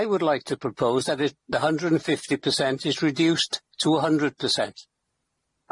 I would like to propose that the hundred and fifty percent is reduced to a hundred percent,